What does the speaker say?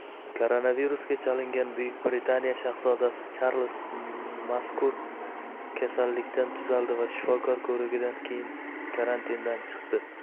koronavirusga chalingan buyuk britaniya shahzodasi charlz mazkur kasallikdan tuzaldi va shifokor ko'rigidan keyin karantindan chiqdi